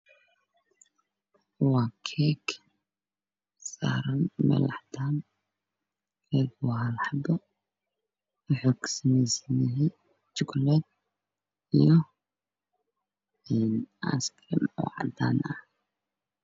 Waa keeg saaran meel cadaan oo hal xabo ah